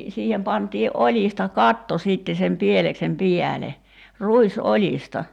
siihen pantiin oljista katto sitten sen pieleksen päälle ruisoljista